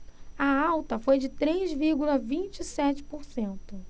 a alta foi de três vírgula vinte e sete por cento